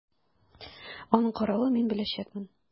Аның каравы, мин беләчәкмен!